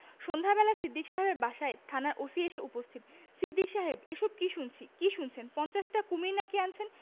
সন্ধ্যাবেলা সিদ্দিক সাহেবের বাসায় থানার ওসি এসে উপস্থিত সিদ্দিক সাহেব এসব কি শুনছি কি শুনছেন পঞ্চাশটা কুমীর না কি আনছেন